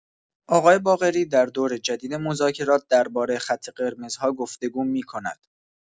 آقای باقری در دور جدید مذاکرات درباره خط قرمزها گفت‌وگو می‌کند.